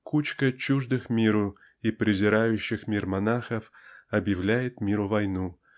Кучка чуждых миру и презирающих мир монахов объявляет миру войну